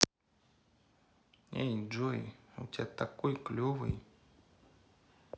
эй джой у тебя такой клевой